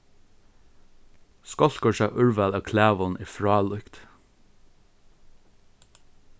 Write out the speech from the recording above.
skálkursa úrval av klæðum er frálíkt